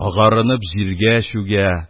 Агарынып җиргә чүгә,